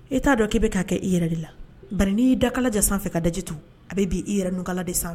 I t'a dɔn k'i bɛ ka kɛ i yɛrɛ de la, bari n' i y'i da kala jan sanfɛ ka dajitu, a bɛ bin i yɛrɛ nugukala de san.